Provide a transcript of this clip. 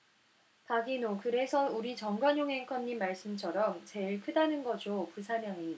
박인호 그래서 우리 정관용 앵커님 말씀처럼 제일 크다는 거죠 부산항이